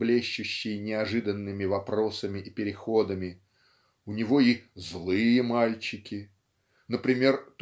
блещущей неожиданными вопросами и переходами. У него и "злые мальчики" например